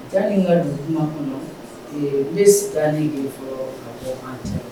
Tanni ka duguuma kɔnɔ bɛ san ni fɔlɔ ka bɔ cɛ